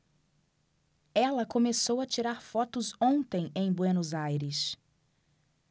ela começou a tirar fotos ontem em buenos aires